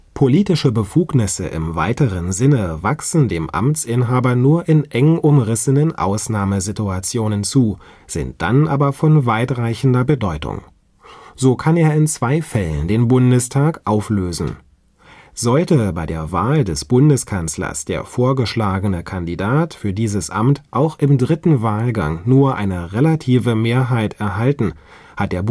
Politische Befugnisse im weiteren Sinne wachsen dem Amtsinhaber nur in eng umrissenen Ausnahmesituationen zu, sind dann aber von weitreichender Bedeutung. So kann er in zwei Fällen den Bundestag auflösen: Sollte bei der Wahl des Bundeskanzlers der vorgeschlagene Kandidat für dieses Amt auch im dritten Wahlgang nur eine relative Mehrheit erhalten, hat der